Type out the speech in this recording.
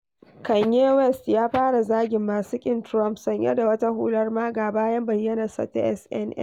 Kanye West Ya Fara Zagin Masu Ƙin Trump, Sanye da wata Hular MAGA, Bayan Bayyanarsa ta SNL.